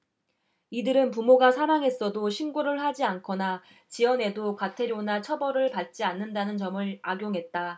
이들은 부모가 사망했어도 신고를 하지 않거나 지연해도 과태료나 처벌을 받지 않는다는 점을 악용했다